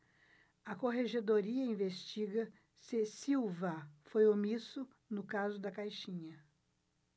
a corregedoria investiga se silva foi omisso no caso da caixinha